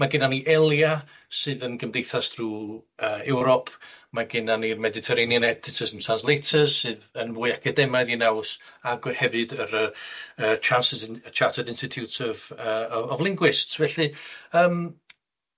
Ma' gennan ni ELIA sydd yn gymdeithas drwy yy Ewrop, ma' gennan ni'r Mediterranean Editors and Translators sydd yn fwy academaidd 'i naws, ac wy- hefyd yr yy yy Chances and Chartered Intitute of yy o- of Linguists felly yym.